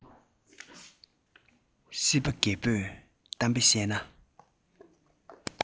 སྲིད པ རྒད པོས གཏམ དཔེ བཤད ན